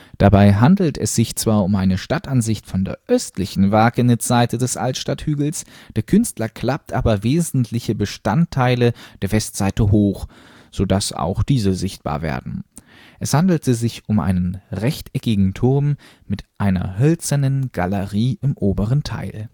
Dabei handelt es sich zwar um eine Stadtansicht von der östlichen Wakenitzseite des Altstadthügels, der Künstler klappt aber wesentliche Bestandteil der Westseite hoch, so dass auch diese sichtbar werden. Es handelte sich um einen rechteckigen Turm mit einer hölzernen Galerie im oberen Teil